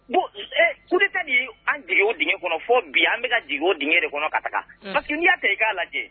Bonte de an dege o d kɔnɔ fo bi an bɛka dege o d de kɔnɔ ka n y'a kɛ i k'a lajɛ